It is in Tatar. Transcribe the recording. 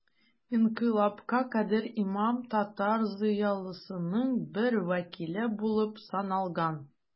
Инкыйлабка кадәр имам татар зыялысының бер вәкиле булып саналган.